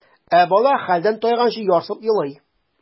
Ә бала хәлдән тайганчы ярсып елый.